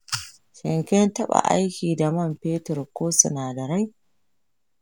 shin taba aiki da man fetur ko sinadarai?